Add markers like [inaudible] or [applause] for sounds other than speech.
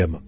[hesitation] [hesitation]